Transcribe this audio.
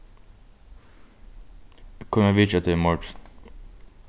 eg komi at vitja teg í morgin